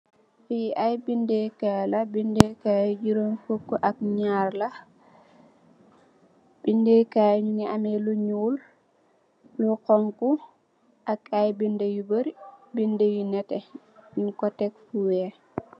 Fi ay bindé kay la, bindé kay yi jurom fukk ak ñaar la, bindé kay yi ñu ngi ameh lu ñuul ak lu xonxu ak ay bindé yu barri ñing ko tek fu wèèx.